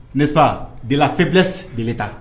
Ne fa dela selɛs de ta